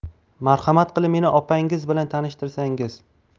marhamat qilib meni opanggiz bilan tanishtirsangiz